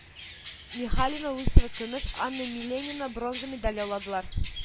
Михалина Лысова көмеш, Анна Миленина бронза медаль яуладылар